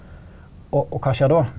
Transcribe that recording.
og og kva skjer då?